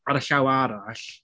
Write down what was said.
Ar y llaw arall...